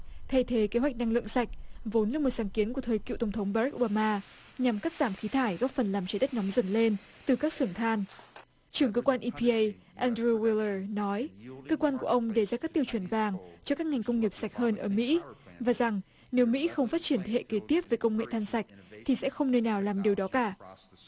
thay thế kế hoạch năng lượng sạch vốn là một sáng kiến của thời cựu tổng thống ba rách ô ba ma nhằm cắt giảm khí thải góp phần làm trái đất nóng dần lên từ các xưởng than trưởng cơ quan i pi ây an đờ riu guy lờ nói cơ quan của ông đề ra các tiêu chuẩn vàng cho các ngành công nghiệp sạch hơn ở mỹ và rằng nếu mỹ không phát triển thế hệ kế tiếp về công nghệ than sạch thì sẽ không nơi nào làm điều đó cả